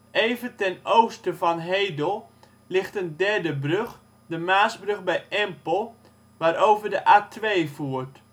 Even ten oosten van Hedel ligt een derde brug, de Maasbrug bij Empel, waarover de A2 voert